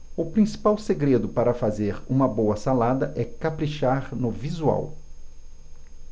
o principal segredo para fazer uma boa salada é caprichar no visual